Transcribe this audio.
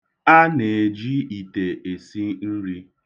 A na-eji ite esi nri.